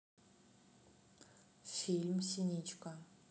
фильм синичка